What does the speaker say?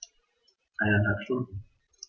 Eineinhalb Stunden